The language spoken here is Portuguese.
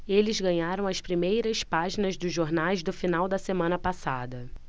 eles ganharam as primeiras páginas dos jornais do final da semana passada